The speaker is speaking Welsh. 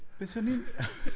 Beth o'n i'n...?